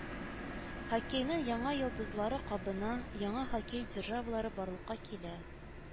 Хоккейның яңа йолдызлары кабына, яңа хоккей державалары барлыкка килә